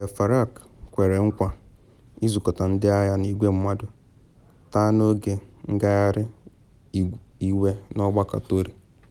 Nigel Farage kwere nkwa “izukọta ndị agha nke igwe mmadụ’ taa n’oge ngagharị iwe n’ọgbakọ Tory.